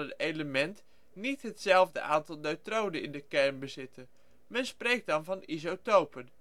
element niet hetzelfde aantal neutronen in de kern bezitten. Men spreekt dan van isotopen. Isotopen